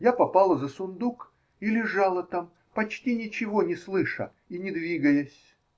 Я попала за сундук и лежала там, почти ничего не слыша и не двигаясь.